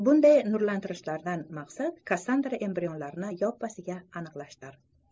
bunday nurlantirishdan maqsad kassandra embrionlarni yoppasiga aniqlashdir